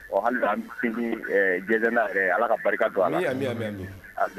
Ala ka barika don a la